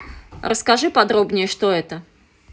расскажи подробнее что это